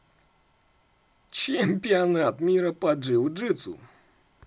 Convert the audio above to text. чемпионат мира по джиу джитсу